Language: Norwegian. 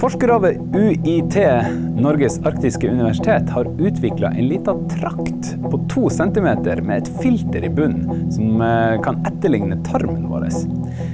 forskere ved UiT, Norges arktiske universitet, har utvikla en lita trakt på to cm med et filter i bunnen som kan etterligne tarmen vår.